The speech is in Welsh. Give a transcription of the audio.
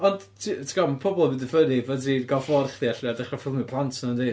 ond ti- tig'od ma' pobl yn mynd yn funny pam ti'n gael ffôn chdi allan a dechra ffilmio plant nhw yndi,